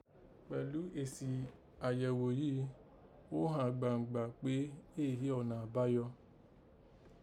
Pẹ̀lú èsì àyẹ̀ghò yìí, ó hàn gbangba pé éè hí ọ̀nà àbáyọ